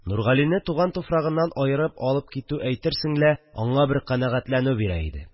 Нургалине туган туфрагыннан аерып алып китү әйтерсең лә аңа бер канәгатьләнү бирә иде